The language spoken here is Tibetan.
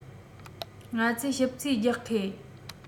ང ཚོས ཞིབ རྩིས རྒྱག མཁས